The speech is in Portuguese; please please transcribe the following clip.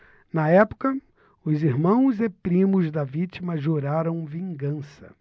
na época os irmãos e primos da vítima juraram vingança